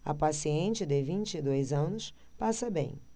a paciente de vinte e dois anos passa bem